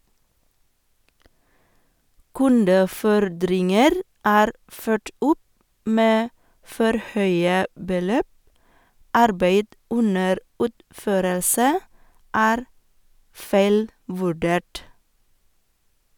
Kundefordringer er ført opp med for høye beløp, arbeid under utførelse er feilvurdert.